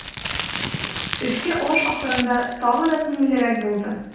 Төшке аш ахырында тагы да күңеллерәк булды.